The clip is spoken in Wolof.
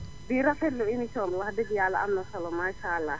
di rafetlu émission bi wax dëgg Yàlla am na solo maasaa àllaa